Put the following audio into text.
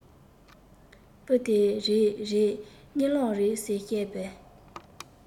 བུ དེས རེད རེད གཉིད ལམ རེད ཟེར བཤད པས